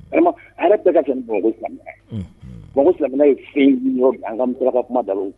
A yɛrɛ bɛɛ ka kɛ silamɛna ye fɛn min an ka bara kuma da